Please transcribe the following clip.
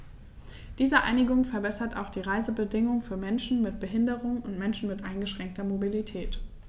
Diese Einigung verbessert auch die Reisebedingungen für Menschen mit Behinderung und Menschen mit eingeschränkter Mobilität.